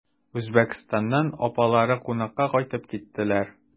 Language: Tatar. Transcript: Үзбәкстаннан апалары кунакка кайтып киттеләр.